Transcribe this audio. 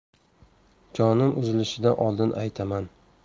jonim uzilishidan oldin aytaman